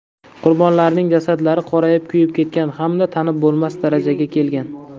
qurbonlarning jasadlari qorayib kuyib ketgan hamda tanib bo'lmas darajaga kelgan